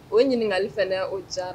O ɲininkali fana o ca